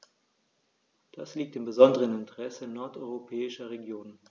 Dies liegt im besonderen Interesse nordeuropäischer Regionen.